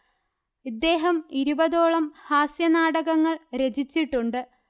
ഇദ്ദേഹം ഇരുപതോളം ഹാസ്യ നാടകങ്ങൾ രചിച്ചിട്ടുണ്ട്